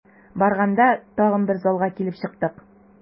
Барганда тагын бер залга килеп чыктык.